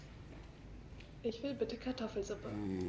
Ich will bitte Kartoffelsuppe.